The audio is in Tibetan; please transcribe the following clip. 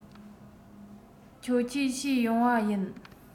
ཁྱོད ཀྱིས བཤུས ཡོང བ ཡིན